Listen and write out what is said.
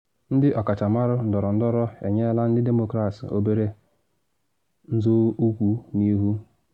Ndị ọkachamara ndọrọndọrọ enyela ndị Demọkrats obere nzọụkwụ n’ihu.